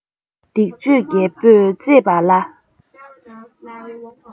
སྡིག སྤྱོད རྒྱལ པོས གཙེས པ ལ